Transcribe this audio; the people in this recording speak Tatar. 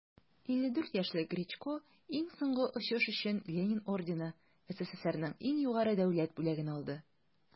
54 яшьлек гречко иң соңгы очыш өчен ленин ордены - сссрның иң югары дәүләт бүләген алды.